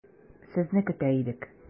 Сезне көтә идек.